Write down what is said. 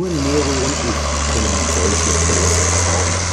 Nero und ich können solche Kolosse erbauen